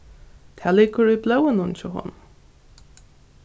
tað liggur í blóðinum hjá honum